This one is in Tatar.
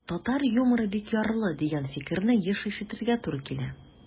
Татар юморы бик ярлы, дигән фикерне еш ишетергә туры килә.